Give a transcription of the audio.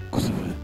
Sɔn